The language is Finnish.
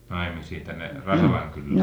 naimisiin tänne Rasalan kylään